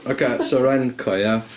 Ocê, so ren co ia?